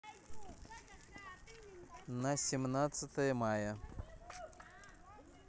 на семнадцатое мая